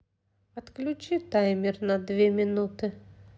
отключи таймер на две минуты